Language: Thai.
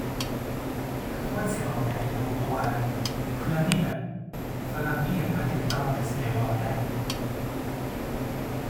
ก็ควรสิเว้าได้อยู่ เพราะว่าเผื่อมีแบบฝรั่งอิหยังมาติดต่อก็สิได้เว้าได้